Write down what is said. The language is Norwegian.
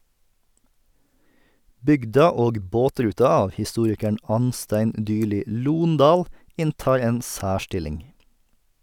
"Bygda og båtruta" av historikeren Anstein Dyrli Lohndal inntar en særstilling.